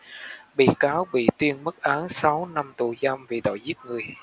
bị cáo bị tuyên mức án sáu năm tù giam vì tội giết người